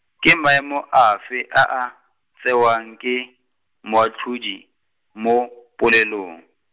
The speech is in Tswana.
ke maemo afe, a a, tsewang ke, mo tlhaodi, mo, polelong?